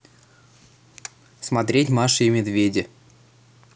смотреть маша и медведи